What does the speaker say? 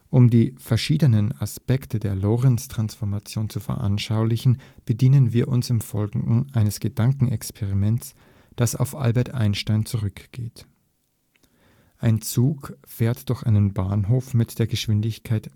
Um die verschiedenen Aspekte der Lorentztransformationen zu veranschaulichen, bedienen wir uns im Folgenden eines Gedankenexperiments, das auf Albert Einstein zurückgeht: Ein Zug fährt durch einen Bahnhof mit der Geschwindigkeit